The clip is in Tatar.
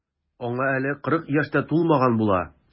Аңа әле кырык яшь тә тулмаган була.